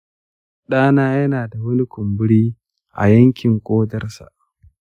ɗana yana da wani kumburi a yankin ƙodarsa.